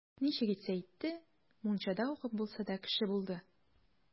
Ничек итсә итте, мунчада укып булса да, кеше булды.